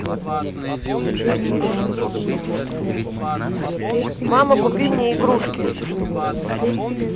мама купи мне игрушки